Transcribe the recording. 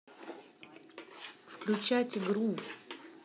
включать игру